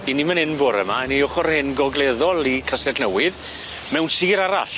'Yn ni myn' 'yn bore 'ma 'yn 'i ochor hyn gogleddol i Castell Newydd mewn sir arall.